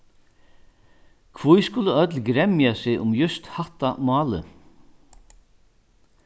hví skulu øll gremja seg um júst hatta málið